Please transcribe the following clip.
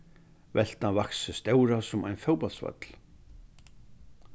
veltan vaks seg so stóra sum ein fótbóltsvøll